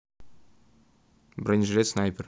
бронежжелет снайпер